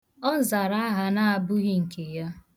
Ọ zara aha na abụghị nke ya.